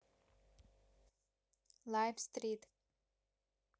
лайф стрит